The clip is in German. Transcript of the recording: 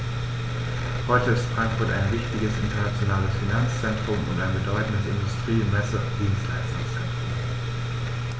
Heute ist Frankfurt ein wichtiges, internationales Finanzzentrum und ein bedeutendes Industrie-, Messe- und Dienstleistungszentrum.